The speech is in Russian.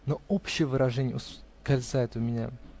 но общее выражение ускользает от меня.